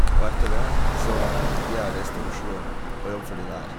Og etter det så blir jeg å reise til Oslo og jobbe for de der.